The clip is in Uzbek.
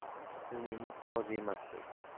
siz menga qozi emassiz